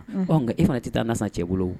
Un kɛ e fana te taa na san cɛ bolo